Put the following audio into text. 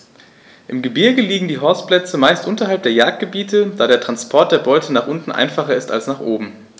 Im Gebirge liegen die Horstplätze meist unterhalb der Jagdgebiete, da der Transport der Beute nach unten einfacher ist als nach oben.